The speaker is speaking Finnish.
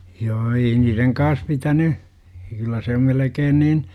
joo ei niiden kanssa pitänyt kyllä se on melkein niin